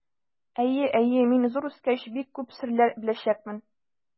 Әйе, әйе, мин, зур үскәч, бик күп серләр беләчәкмен.